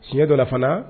Tiɲɛ dɔfana